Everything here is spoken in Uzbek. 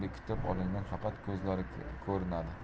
bekitib olingan faqat ko'zlari ko'rinadi